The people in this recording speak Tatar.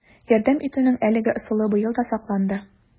Ярдәм итүнең әлеге ысулы быел да сакланды: